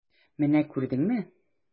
Менә күрдеңме?